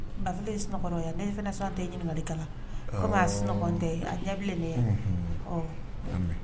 A file ye sunɔkɔrɔ yan ne y fɛnɛ sɔn te ye ɲiniŋali k'a la ɔnhɔɔɔɔɔn comme a sunɔgɔn te a ɲɛ bilenne ye unhuun ɔ a minɛ